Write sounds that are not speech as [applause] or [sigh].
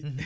[hesitation] [hesitation]